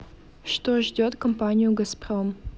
что ждет компанию газпром